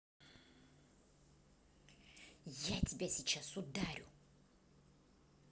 я тебя сейчас ударю